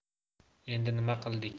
endi nima qildik